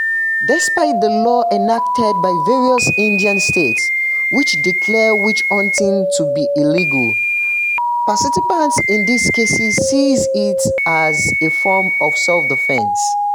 Despite the laws enacted by various Indian states which declare witch-hunting to be illegal, participants in these cases see it as a form of self-defense.